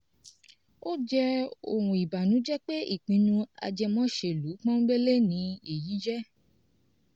Ó jẹ́ ohun ìbànújẹ́ pé ìpinnu ajẹmọ́ṣèlú pọ́nńbélé ni èyí jẹ́.